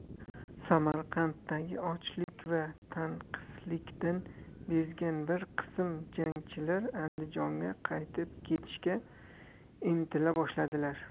samarqanddagi ochlik va tanqislikdan bezgan bir qism jangchilar andijonga qaytib ketishga intila boshladilar